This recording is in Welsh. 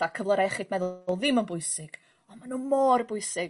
a cyflyra' iechyd meddwl o ddim yn bwysig ond ma' nw mor bwysig...